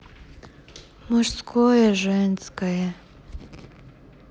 мужское женское